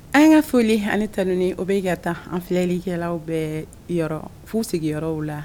An ka foli ni tanuni bɛ ka taa an filɛli kɛlaw bɛɛ yɔrɔ f'u sigiyɔrɔw la.